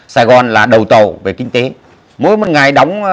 sài gòn là đầu tầu về kinh tế mỗi một ngày đóng